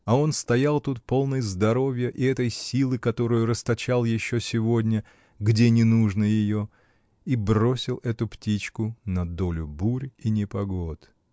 А он стоял тут, полный здоровья и этой силы, которую расточал еще сегодня, где не нужно ее, и бросил эту птичку на долю бурь и непогод!